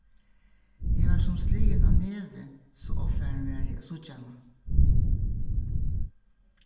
eg var sum sligin á nevið so ovfarin var eg at síggja hana